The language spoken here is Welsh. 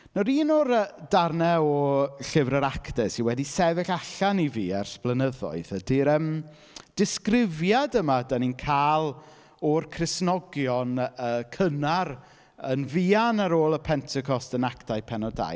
Nawr un o'r yy darnau o Llyfr yr Actau sydd wedi sefyll allan i fi ers blynyddoedd ydy'r yym disgrifiad yma dan ni'n cael o'r Cristnogion y- yy cynnar yn fuan ar ôl y Pentecost yn Actau Pennod dau